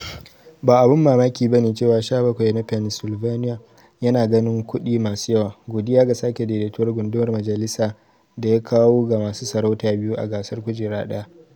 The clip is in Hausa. Ba abun mamaki bane cewa 17 na Pennsylvania yana ganin kuɗi masu yawa, godiya ga sake daidaituwar gundumar majalisa da ya kawo ga masu sarauta biyu a gasar kujera ɗaya.